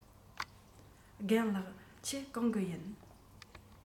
རྒན ལགས ཁྱེད གང གི ཡིན